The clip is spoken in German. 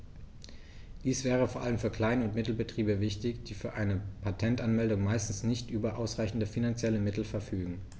Dies wäre vor allem für Klein- und Mittelbetriebe wichtig, die für eine Patentanmeldung meistens nicht über ausreichende finanzielle Mittel verfügen.